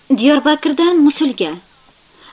diyorbakirdan musulga